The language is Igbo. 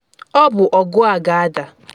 Ọ bụ ọgụ a ga-ada.